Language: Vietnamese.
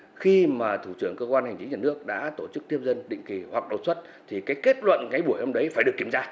khi mà thủ trưởng cơ quan hành chính nhà nước đã tổ chức tiếp dân định kỳ hoặc đột xuất thì cách kết luận cái buổi hôm ấy phải được kiểm tra